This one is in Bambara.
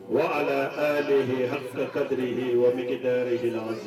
Wa ala alihi hakakadirihi wamikidarihilasi